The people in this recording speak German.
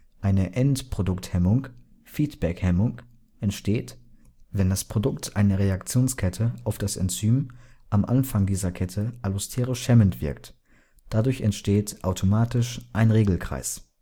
Eine Endprodukt-Hemmung (Feedback-Hemmung) entsteht, wenn das Produkt einer Reaktionskette auf das Enzym am Anfang dieser Kette allosterisch hemmend wirkt. Dadurch entsteht automatisch ein Regelkreis